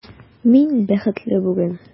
Мин бәхетле бүген!